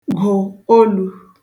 gụ̀ olū